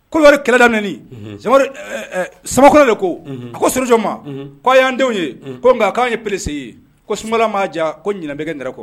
Koloɔri kɛlɛda n samakɔrɔ de ko a ko ssoo ma k'a y'an denw ye ko nka k'an ye perese ye ko sunla m ma diya ko bɛ n dɛrɛ kɔ